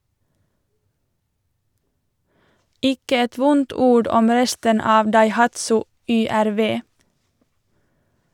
Ikke et vondt ord om resten av Daihatsu YRV.